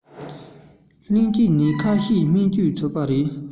ལྷན སྐྱེས ནད ཁ ཤས སྨན པ བཅོས ཐུབ ཀྱི རེད